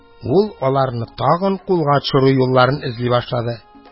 Ул аларны тагын кулга төшерү юлларын эзли башлады.